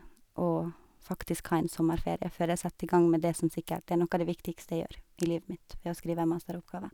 Å faktisk ha en sommerferie før jeg setter i gang med det som sikkert er noe av det viktigste jeg gjør i livet mitt ved å skrive ei masteroppgave.